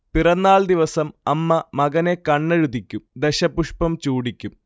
പിറന്നാൾദിവസം അമ്മ മകനെ കണ്ണെഴുതിക്കും, ദശപുഷ്പം ചൂടിക്കും